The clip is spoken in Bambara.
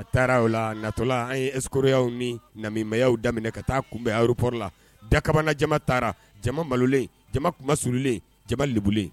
A taara o la natɔla an ye eskroyaw ni namiya daminɛ ka taa kunbɛn uruporo la da ka jama taara jama malolen jama kumasurlen jama blen